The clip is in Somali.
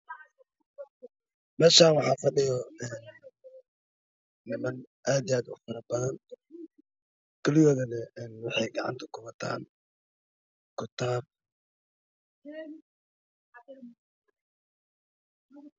Meshaan waxaa fadhiyo niman aad iyo aad u fara badn kuligood waxey gacanta ku wataan kitaab